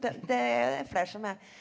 det det er det flere som er.